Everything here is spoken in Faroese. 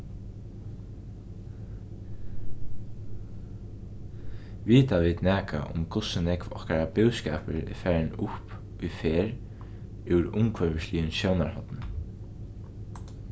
vita vit nakað um hvussu nógv okkara búskapur er farin upp í ferð úr umhvørvisligum sjónarhorni